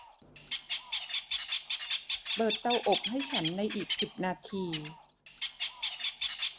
เปิดเตาอบให้ฉันในอีกสิบนาที